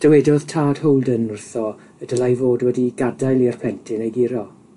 Dywedodd tad Holden wrtho y dylai fod wedi gadael i'r plentyn ei guro